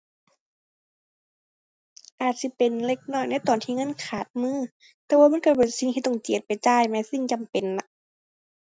อาจสิเป็นเล็กน้อยในตอนที่เงินขาดมือ แต่ว่ามันก็เป็นสิ่งที่ต้องเจียดไปจ่ายแหม สิ่งจำเป็นอะ